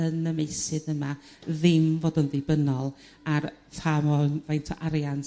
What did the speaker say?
yn y meysydd yma ddim fod yn ddibynnol ar pha mo-... Faint o arian